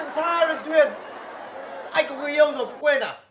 luyên tha luyên thuyên anh có người yêu rồi cô quên à